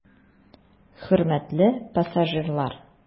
Хөрмәтле пассажирлар!